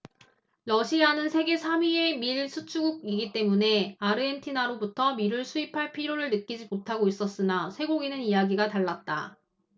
러시아는 세계 삼 위의 밀 수출국이기 때문에 아르헨티나로부터 밀을 수입할 필요를 느끼지 못하고 있었으나 쇠고기는 이야기가 달랐다